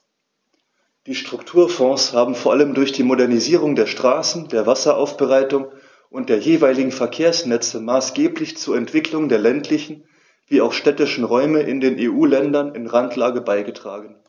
Die Strukturfonds haben vor allem durch die Modernisierung der Straßen, der Wasseraufbereitung und der jeweiligen Verkehrsnetze maßgeblich zur Entwicklung der ländlichen wie auch städtischen Räume in den EU-Ländern in Randlage beigetragen.